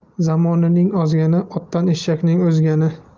zamonaning ozgani otdan eshakning o'zgani